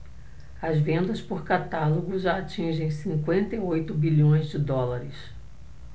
as vendas por catálogo já atingem cinquenta e oito bilhões de dólares